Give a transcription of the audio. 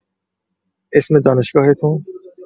اسم دانشگاهتون؟